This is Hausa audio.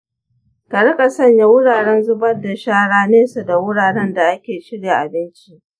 ka riƙa sanya wuraren zubar da shara nesa da wuraren da ake shirya abinci.